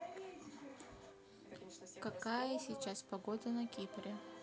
какая сейчас погода на кипре